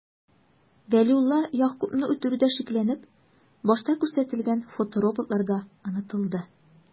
Вәлиулла Ягъкубны үтерүдә шикләнеп, башта күрсәтелгән фотороботлар да онытылды...